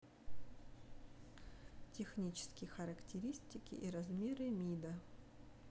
технические характеристики и размеры мидо